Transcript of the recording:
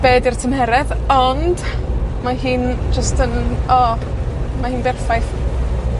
be' 'di'r tymheredd, ond, mae hi'n, jyst yn, O! Mae hi'n berffaith.